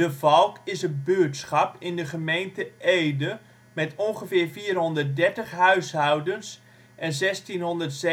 Valk is een buurtschap in de gemeente Ede met ongeveer 430 huishoudens en 1670 inwoners (2001